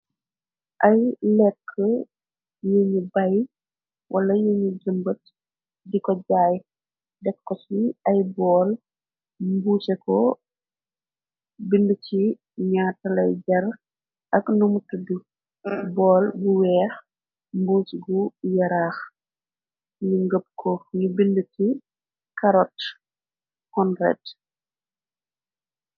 Ay lekk yi ñu bay wala yi ñu jëmbat di ko jaay dekkos ni ay bool mbuuseko bind ci ñaatalay jar ak numu tëdbi bool bu weex mbuus gu yëraax nu ngëb ko ni bind ci caroc honrate.